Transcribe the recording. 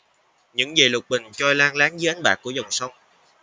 những dề lục bình trôi loang loáng dưới ánh bạc của dòng sông